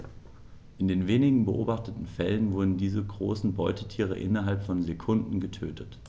In den wenigen beobachteten Fällen wurden diese großen Beutetiere innerhalb von Sekunden getötet.